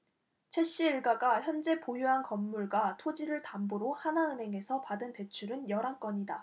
최씨 일가가 현재 보유한 건물과 토지를 담보로 하나은행에서 받은 대출은 열 한 건이다